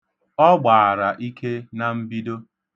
Ọ gbaara ike na mbido.